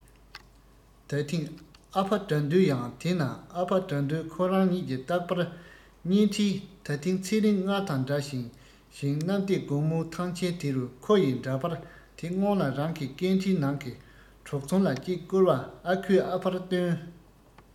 ད ཐེངས ཨ ཕ དགྲ འདུལ ཡང དེ ན ཨ ཕ དགྲ འདུལ ཁོ རང ཉིད ཀྱི རྟག པར བརྙན འཕྲིན ད ཐེངས ཚེ རིང སྔར དང འདྲ ཞིང ཞིང གནམ བདེ སྒོ མོའི ཐང ཆེན དེ རུ ཁོ ཡི འདྲ པར དེ སྔོན ལ རང གི སྐད འཕྲིན ནང གི གྲོགས ཚོམ ལ གཅིག བསྐུར བ ཨ ཁུས ཨ ཕར སྟོན